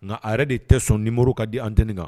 Nka yɛrɛ de tɛ sɔn nimo ka di antin kan